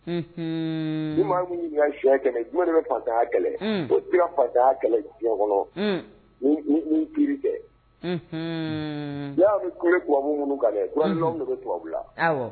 Unhuuun ni maa min y'i ɲiniŋa siɲɛ 100 jumɛn de be fantanya kɛlɛ un foyi tise ka fantanya kɛlɛ diɲɛ kɔnɔ un ni ni ni kiiri tɛ unhuun n'i y'a ye a' be ko mɛ tubabu minnu kan dɛ droit de l'homme de be tubabula awɔ